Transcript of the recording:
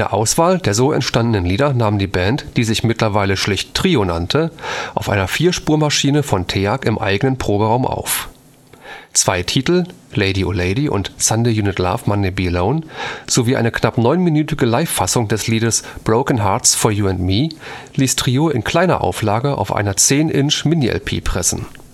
Auswahl der so entstandenen Lieder nahm die Band, die sich mittlerweile schlicht Trio nannte, auf einer Vierspur-Maschine von Teac im eigenen Proberaum auf. Zwei Titel (Lady-O-Lady und Sunday You Need Love Monday Be Alone) sowie eine knapp neun-minütige Live-Fassung des Liedes Broken Hearts For You And Me ließ Trio in kleiner Auflage auf eine 10″-Mini-LP pressen